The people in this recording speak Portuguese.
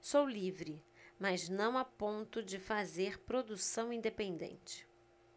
sou livre mas não a ponto de fazer produção independente